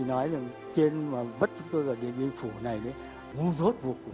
nói rằng trên mà vứt chúng tôi là vì điện biên phủ này nhá ngu dốt vô cực